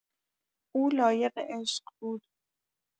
او لایق عشق بود.